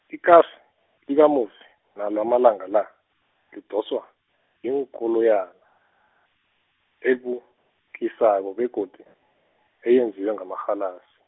ikasi likamufi nalo amalanga la lidoswa yikoloyana, ebukisako begodu eyenziwe ngerhalasi.